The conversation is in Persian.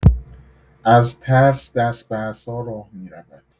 از ترس دست به عصا راه می‌رود.